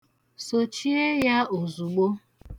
Sochie ya ozugbo.